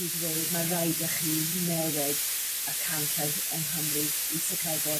i ddweud ma' raid i chi newid y canllaw yng Nghymru i sicrhau bod